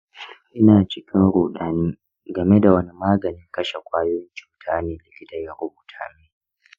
ina cikin ruɗani game da wani maganin kashe ƙwayoyin cuta ne likita ya rubuta min.